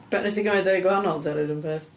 But wnest ti gymryd y rhai gwahanol, ta'r un un peth?